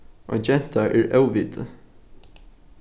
ein genta er óviti